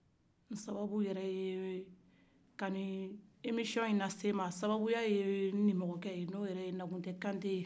nin sababu ye ka ni kuma la se nma o sababu ye nimɔgɔkɛ ye no ye nakuntɛ kante ye